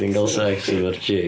'Di hi'n cael sex efo'r chick?